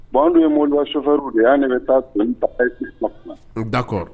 Bon an' dun ye mɔbiliba chauffeur w de ye an' de be taa doni ta d'accord